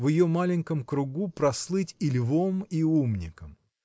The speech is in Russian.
в ее маленьком кругу прослыть и львом и умником.